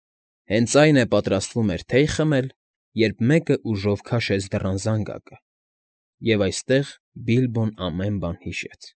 Հենց այն է, պատրաստվում էր թեյ խմել, երբ մեկը ուժով քաշեց դռան զանգակը, և անստեղ Բիլբոն ամեն բան հիշեց։